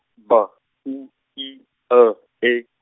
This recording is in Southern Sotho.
B U I L E.